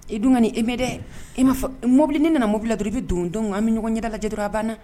I dun kɔni e mɛn dɛ e m'a fɔ mobili ni ne nana mobilibila la dɔrɔnbi don dɔn an bɛ ɲɔgɔn yɛrɛ la lajɛ dɔrɔnra a banna